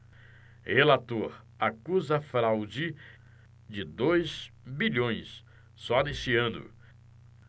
relator acusa fraude de dois bilhões só neste ano